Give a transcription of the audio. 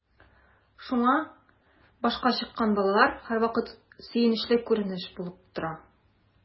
Шуңа “башка чыккан” балалар һәрвакыт сөенечле күренеш булып тора.